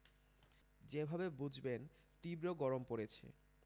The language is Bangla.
যেভাবে বুঝবেন তীব্র গরম পড়েছে